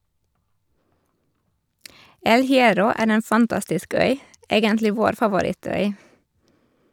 El Hierro er en fantastisk øy (egentlig vår favorittøy!).